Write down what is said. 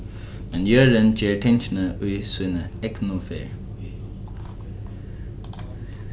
men jørðin ger tingini í síni egnu ferð